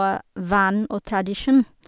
og vane og tradisjon.